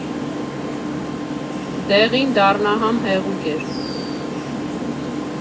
Դեղին, դառնահամ հեղուկ էր։